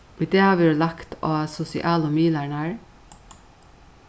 í dag verður lagt á sosialu miðlarnar